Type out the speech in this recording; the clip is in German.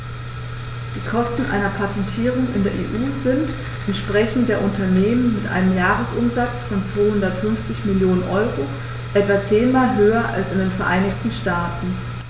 Die Kosten einer Patentierung in der EU sind, entsprechend der Unternehmen mit einem Jahresumsatz von 250 Mio. EUR, etwa zehnmal höher als in den Vereinigten Staaten.